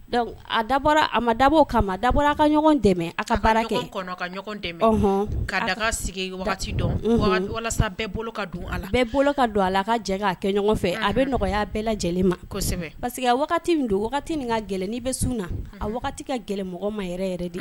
Dɔnku a dabɔ a ma dabɔbo kama dabɔ a ka ɲɔgɔn dɛmɛ a ka baara kɛ ka daga sigi bɛɛ bolo don bɛɛ bolo ka don a ka jɛ kɛ ɲɔgɔn fɛ a bɛ nɔgɔya bɛɛ lajɛlen ma pa que min don min ka gɛlɛnin bɛ sun na a ka gɛlɛn mɔgɔ ma yɛrɛ yɛrɛ de